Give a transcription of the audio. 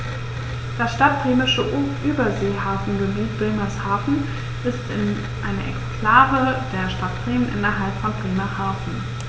Das Stadtbremische Überseehafengebiet Bremerhaven ist eine Exklave der Stadt Bremen innerhalb von Bremerhaven.